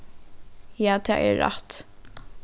ja tað er rætt